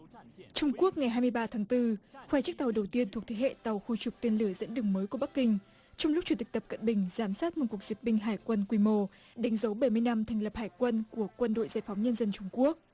trung quốc ngày hai mươi ba tháng tư khoe chiếc tàu đầu tiên thuộc thế hệ tàu khu trục tên lửa dẫn đường mới của bắc kinh trong lúc chủ tịch tập cận bình giám sát một cuộc duyệt binh hải quân quy mô đánh dấu bảy mươi năm thành lập hải quân của quân đội giải phóng nhân dân trung quốc